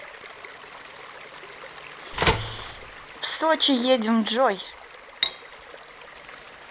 в сочи едем джой